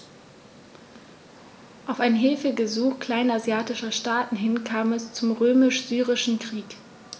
Auf ein Hilfegesuch kleinasiatischer Staaten hin kam es zum Römisch-Syrischen Krieg.